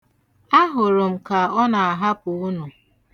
Ahụrụ ka ọ na-ahapụ unu.